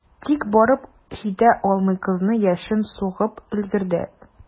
Тик барып җитә алмый, кызны яшен сугып өлгерә.